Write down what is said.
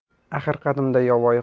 axir qadimda yovvoyi